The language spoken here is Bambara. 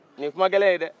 nin ye kuma gɛlɛn ye dɛɛ